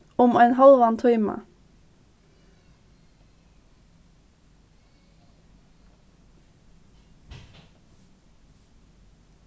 um ein hálvan tíma